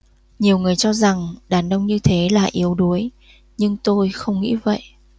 nhiều người cho rằng đàn ông như thế là yếu đuối nhưng tôi không nghĩ vậy